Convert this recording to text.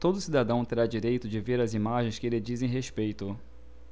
todo cidadão terá direito de ver as imagens que lhe dizem respeito